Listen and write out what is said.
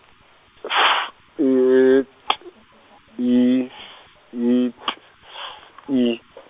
S, E, T, I, S, I, T, S I.